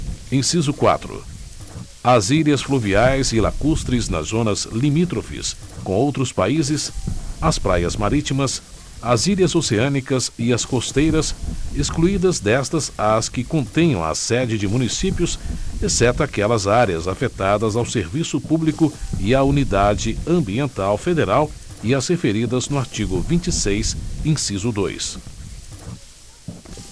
inciso quatro as ilhas fluviais e lacustres nas zonas limítrofes com outros países as praias marítimas as ilhas oceânicas e as costeiras excluídas destas as que contenham a sede de municípios exceto aquelas áreas afetadas ao serviço público e a unidade ambiental federal e as referidas no artigo vinte e seis inciso dois